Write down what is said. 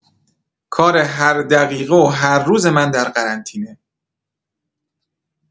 کار هر دقیقه و هر روز من در قرنطینه